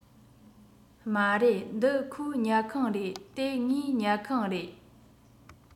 མ རེད འདི ཁོའི ཉལ ཁང རེད དེ ངའི ཉལ ཁང རེད